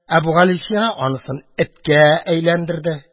Әбүгалисина аны эткә әйләндерде.